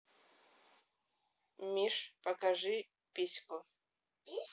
миш покажи письку